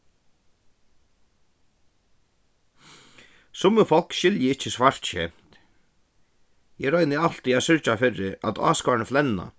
summi fólk skilja ikki svart skemt eg royni altíð at syrgja fyri at áskoðararnir flenna